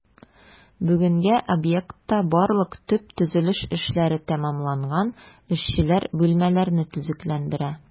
Бүгенгә объектта барлык төп төзелеш эшләре тәмамланган, эшчеләр бүлмәләрне төзекләндерә.